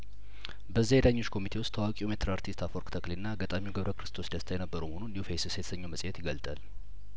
በዛ የዳኞች ኮሚቴ ውስጥ ታዋቂው ሜትር አርቲስት አፈወርቅ ተክሌና ገጣሚው ገብረክርስቶስ ደስታ የነበሩ መሆኑን ኒው ፌስ ስየተሰኘው መጽሄት ይገል ጣል